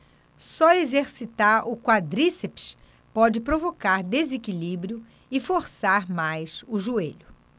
só exercitar o quadríceps pode provocar desequilíbrio e forçar mais o joelho